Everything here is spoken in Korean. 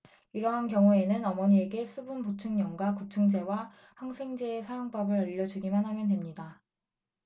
이러한 경우에는 어머니에게 수분 보충염과 구충제와 항생제의 사용법을 알려 주기만 하면 됩니다